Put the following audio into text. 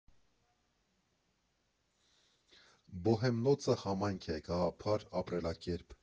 Բոհեմնոցը համայնք է, գաղափար, ապրելակերպ։